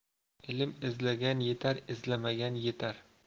ilm izlagan yetar izlamagan yitar